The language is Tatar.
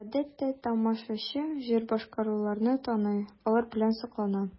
Гадәттә тамашачы җыр башкаручыларны таный, алар белән соклана.